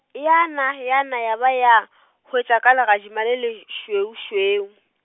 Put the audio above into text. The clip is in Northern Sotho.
yana yana ya ba ya, hwetša ka legadima le lešweušweu.